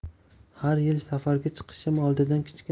har yil safarga chiqishim oldidan kichkina